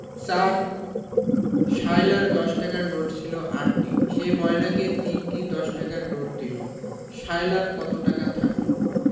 ৪ সায়লার দশ টাকার নোট ছিল ৮টি সে ময়নাকে ৩টি দশ টাকার নোট দিল সায়লার কত টাকা থাকল